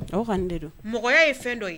O ka de don mɔgɔya ye fɛn dɔ ye